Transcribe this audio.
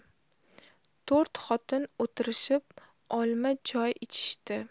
to'rt xotin o'tirishib olma choy ichishdi